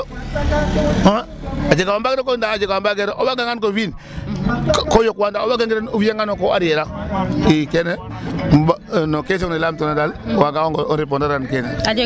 A jega wa mbaag no koy ndaa a jega wa mbageerna o waagangaan koy o fi'in ko yoq wa ndaa o waagangiran o fi'aangan o ko arriere a i kene no question ne laamtoona daal waagaxoong o répondre kene.